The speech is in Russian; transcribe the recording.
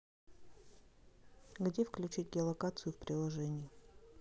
где включить геолокацию в приложении